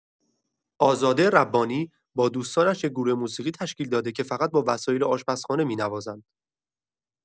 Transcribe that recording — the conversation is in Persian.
آزاده ربانی، با دوستانش یک گروه موسیقی تشکیل داده که فقط با وسایل آشپزخانه می‌نوازند.